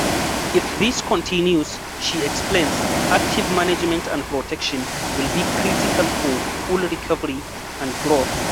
If this continues, she explains, active management and protection will be critical for full recovery and growth: